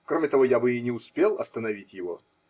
Кроме того, я бы и не успел остановить его.